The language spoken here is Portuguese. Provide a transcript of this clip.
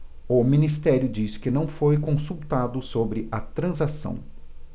o ministério diz que não foi consultado sobre a transação